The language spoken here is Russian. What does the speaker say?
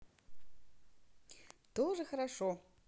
тоже хорошо